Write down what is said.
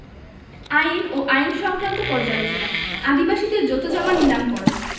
আইন ও আইন সংক্রান্ত পর্যালোচনা আদিবাসীদের জোতজমা নীলামকরণ